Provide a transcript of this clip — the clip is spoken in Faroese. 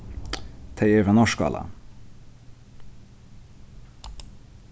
tey eru frá norðskála